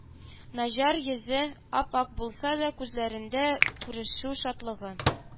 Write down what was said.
Наҗар, йөзе ап-ак булса да күзләрендә күрешү шатлыгы